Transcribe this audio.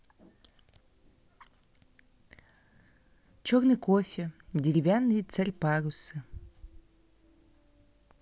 черный кофе деревянные царь парусы